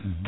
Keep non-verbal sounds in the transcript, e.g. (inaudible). (hesitation) (hesitation)